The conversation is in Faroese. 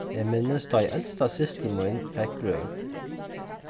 eg minnist tá ið elsta systir mín fekk brøv